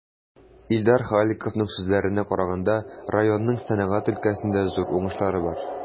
Илдар Халиковның сүзләренә караганда, районның сәнәгать өлкәсендә зур уңышлары бар.